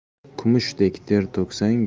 kumushdek ter to'ksang